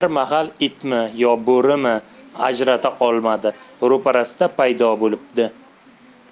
bir mahal itmi yo bo'rimi ajrata olmadi ro'parasida paydo bo'libdi